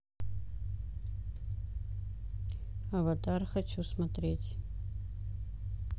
аватар хочу смотреть